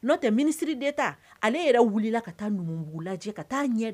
N'o tɛ ministre d'Etat , ale yɛrɛ wulila ka taa Numubugu lajɛ ka taa ɲɛ